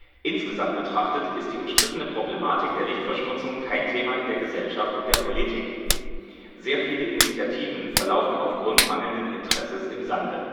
Insgesamt betrachtet ist die umstrittene Problematik der Lichtverschmutzung kein Thema in der Gesellschaft und der Politik. Sehr viele Initiativen verlaufen aufgrund mangelnden Interesses im Sande